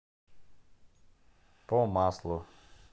по маслу